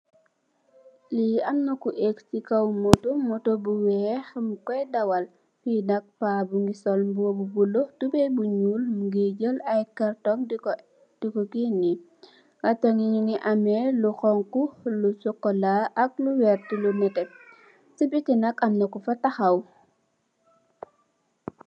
Li amna ko aag si kaw moto moto bu weex mung koi dawal fi nak pa bi mongi sool mbubu bu bulu tubai bu nuul mongi jëel ay karton diko genex ak tamit nungi ame lu xonxu lu cxocola ak ku wertax lu nete si nak amna kufa taxaw.